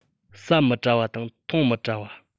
ཟ མི བྲ བ དང འཐུང མི བྲ བ